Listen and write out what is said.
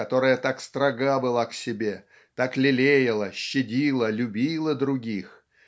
которая так строга была к себе так лелеяла щадила любила других